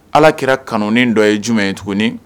Alakira kanuni dɔ ye jumɛn ye tuguni?